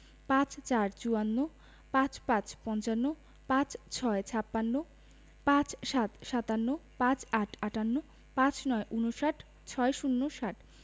৫৪ - চুয়ান্ন ৫৫ – পঞ্চান্ন ৫৬ – ছাপ্পান্ন ৫৭ – সাতান্ন ৫৮ – আটান্ন ৫৯ - ঊনষাট ৬০ - ষাট